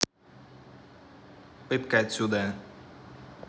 пытка отсюда